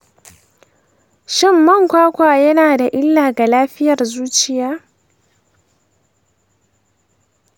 shin man kwakwa yana da illa ga lafiyar zuciya?